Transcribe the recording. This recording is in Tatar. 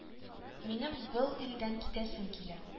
Минем был илдән китәһем килә